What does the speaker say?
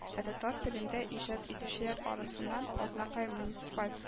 Ә татар телендә иҗат итүчеләр арасыннан – азнакай муниципаль